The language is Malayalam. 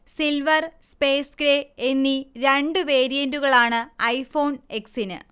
സിൽവർ, സ്പേ്സ് ഗ്രേ എന്നീ രണ്ടു വേരിയന്റുകളാണ് ഐഫോൺ എക്സിന്